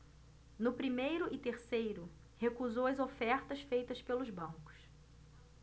no primeiro e terceiro recusou as ofertas feitas pelos bancos